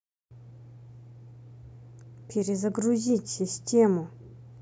перегрузить систему